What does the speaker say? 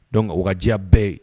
Don wadiya bɛɛ ye yen